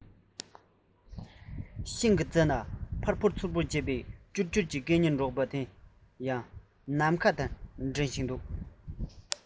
ན ཤིང གི རྩེ ནས ཡར འཕུར མར འཕུར བྱེད ཀྱུར ཀྱུར གྱི སྐད སྙན ཡང ཡང འབྱིན ཐོགས རེག བྲལ བའི ནམ མཁའ དྲན ཅིང